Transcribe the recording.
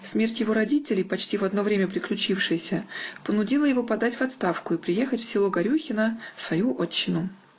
Смерть его родителей, почти в одно время приключившаяся, понудила его подать в отставку и приехать в село Горюхино, свою отчину.